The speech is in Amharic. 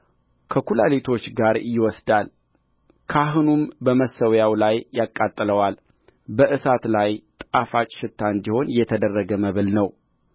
ከኵላሊቶች ጋር ይወስዳልካህኑም በመሠዊያው ላይ ያቃጥለዋል በእሳት ላይ ጣፋጭ ሽታ እንዲሆን የተደረገ መብል ነው